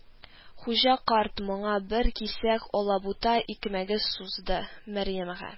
Хуҗа карт моңа бер кисәк алабута икмәге сузды, Мәрьямгә: